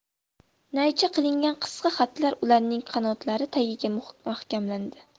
naycha qilingan qisqa xatlar ularning qanotlari tagiga mahkamlandi